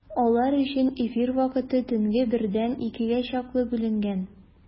Алар өчен эфир вакыты төнге бердән икегә чаклы бүленгән.